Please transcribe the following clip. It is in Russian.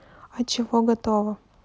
а чего готово